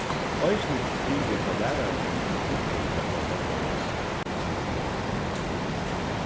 eisini tilvit hjá lærarunum um týdningin at fáa børn at lesa